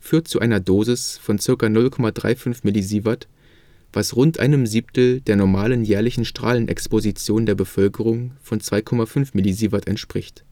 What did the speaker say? führt zu einer Dosis von ca. 0,35 mSv, was rund einem Siebtel der normalen jährlichen Strahlenexposition der Bevölkerung von 2,5 mSv entspricht